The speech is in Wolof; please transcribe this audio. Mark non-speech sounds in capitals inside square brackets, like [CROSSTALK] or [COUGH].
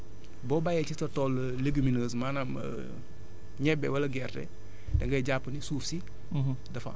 donc boo bayee ci sa tool [HESITATION] légumineuse maanaam [HESITATION] ñebe wala gerte da ngay jàpp ni suuf si